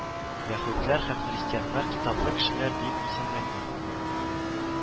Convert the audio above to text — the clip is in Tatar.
Яһүдләр һәм христианнар китаплы кешеләр дип исемләнгән